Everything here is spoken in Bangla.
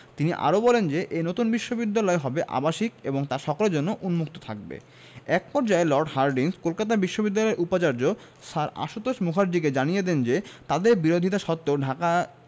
তিনি আরও বলেন যে এ নতুন বিশ্ববিদ্যালয় হবে আবাসিক এবং তা সকলের জন্য উন্মুক্ত থাকবে এক পর্যায়ে লর্ড হার্ডিঞ্জ কলকাতা বিশ্ববিদ্যালয়ের উপাচার্য স্যার আশুতোষ মুখার্জীকে জানিয়ে দেন যে তাঁদের বিরোধিতা সত্ত্বেও ঢাকায়